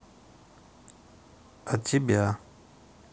а тебя